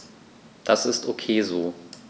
Das ist ok so.